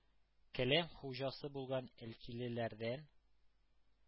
Келәм хуҗасы булган әлкилеләрдән